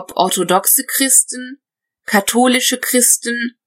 orthodoxe Christen, katholische Christen